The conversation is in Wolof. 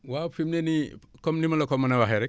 waaw fi mu ne nii comme ni ma la ko mën a waxee rekk